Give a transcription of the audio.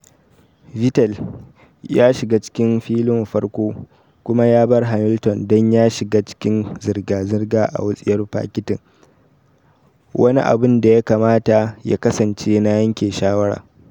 Vettel ya shiga cikin filin farko kuma ya bar Hamilton don ya shiga cikin zirga-zirga a wutsiyar fakitin, wani abin da ya kamata ya kasance na yanke shawara.